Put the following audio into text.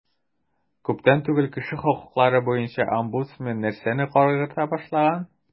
Күптән түгел кеше хокуклары буенча омбудсмен нәрсәне кайгырта башлаган?